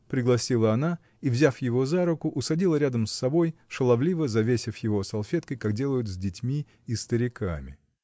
— пригласила она и, взяв его за руку, усадила рядом с собой, шаловливо завесив его салфеткой, как делают с детьми и стариками.